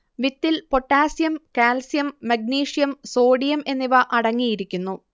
വിത്തിൽ potassium calcium, magnesium, sodium എന്നിവ അടങ്ങിയിരിക്കുന്നു